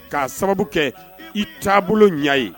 K'a sababu kɛ i taabolo ɲɛ ye